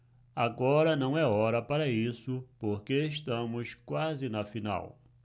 agora não é hora para isso porque estamos quase na final